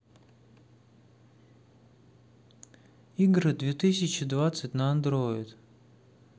игры две тысячи двадцать на андроид